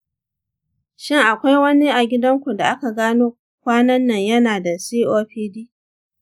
shin akwai wani a gidanku da aka gano kwanan nan yana da copd?